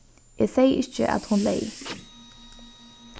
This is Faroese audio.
eg segði ikki at hon leyg